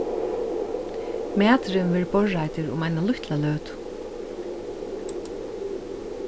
maturin verður borðreiddur um eina lítla løtu